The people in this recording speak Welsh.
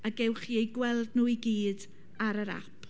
A gewch chi eu gweld nhw i gyd ar yr ap.